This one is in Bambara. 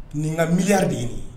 Nin ŋa milliard de ye nin ye